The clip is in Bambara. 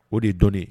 O de dɔn